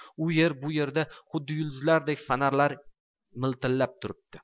u yer bu yerda xuddi yulduzlardek fonarlar miltillab turibdi